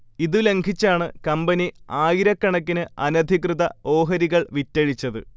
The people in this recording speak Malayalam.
ഇതു ലംഘിച്ചാണ് കമ്പനി ആയിരക്കണക്കിന് അനധികൃത ഓഹരികൾ വിറ്റഴിച്ചത്